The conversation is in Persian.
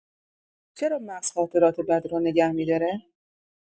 چرا مغز خاطرات بد رو نگه می‌داره؟